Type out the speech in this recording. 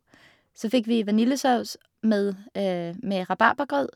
Så fikk vi vaniljesaus med med rabarbragrøt.